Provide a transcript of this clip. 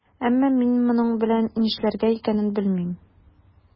Әмма мин моның белән нишләргә икәнен белмим.